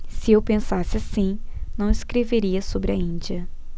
se eu pensasse assim não escreveria sobre a índia